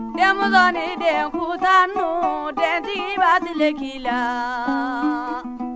denmusonin denkunntannu dentigi b'a tile k'i la